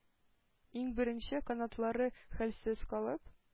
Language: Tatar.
Иң беренче канатлары хәлсез калып,